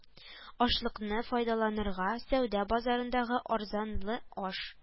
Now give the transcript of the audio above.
Ашлыкны файдаланырга, сәүдә базарындагы арзанлы аш